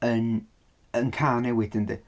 Yn, yn cael newid yndi?